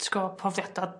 t'go' profiada